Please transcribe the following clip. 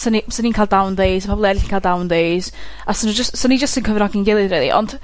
'san ni, 'san ni'n ca'l down days, pobol eryll yn ca'l down days. a so nw jys, so ni jys yn cyfranogi'n gilydd rili ond